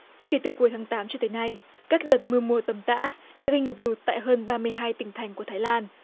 kể từ cuối tháng tám cho tới nay kết luận mùa mưa tầm tã đã gây ngập lụt tại hơn ba mươi hai tỉnh thành của thái lan